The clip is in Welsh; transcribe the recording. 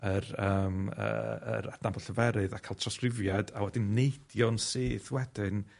yr yym y yr adnabod lleferydd a ca'l trawsgrifiad a wedyn neidio'n syth wedyn